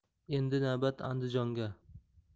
endi navbat andijonga